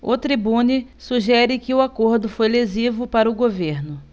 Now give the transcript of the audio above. o tribune sugere que o acordo foi lesivo para o governo